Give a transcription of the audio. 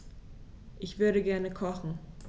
Ich würde gerne kochen.